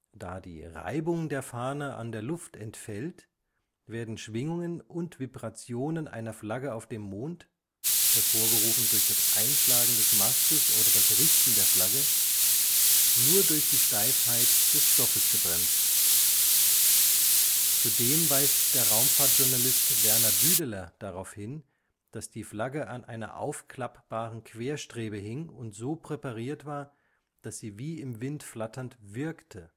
Da die Reibung der Fahne an der Luft entfällt, werden Schwingungen und Vibrationen einer Flagge auf dem Mond – hervorgerufen durch das Einschlagen des Mastes oder das Richten der Flagge – nur durch die Steifheit des Stoffes gebremst. Zudem weist der Raumfahrtjournalist Werner Büdeler darauf hin, dass die Flagge an einer aufklappbaren Querstrebe hing und so präpariert war, dass sie wie im Wind flatternd wirkte